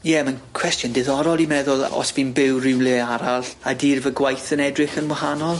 Ie mae'n cwestiwn diddorol i meddwl os fi'n byw rywle arall ydi'r fy gwaith yn edrych yn wahanol?